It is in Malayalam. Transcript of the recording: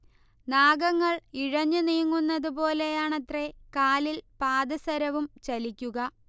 നാഗങ്ങൾ ഇഴഞ്ഞുനീങ്ങുന്നത് പോലെയാണത്രെ കാലിൽ പാദസരവും ചലിക്കുക